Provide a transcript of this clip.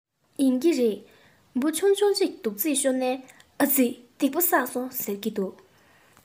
ཡིན གྱི རེད འབུ ཆུང ཆུང ཅིག རྡོག རྫིས ཤོར ནའི ཨ རྩི སྡིག པ བསགས སོང ཟེར གྱི འདུག